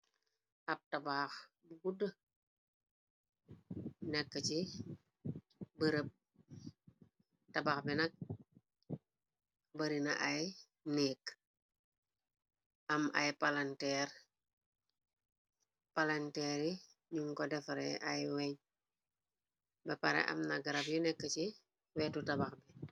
Ab tabaax bu gudd nekk ci bb tabax bi nak bari na ay néekk am ay palanteer yi ñum ko defare ay weñ ba pare am na garab yu nekk ci wetu tabax bi.